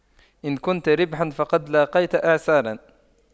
إن كنت ريحا فقد لاقيت إعصارا